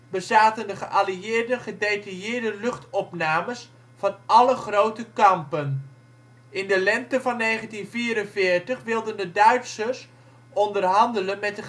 bezaten de geallieerden gedetailleerde luchtopnames van alle grote kampen. In de lente van 1944 wilden de Duitsers onderhandelen met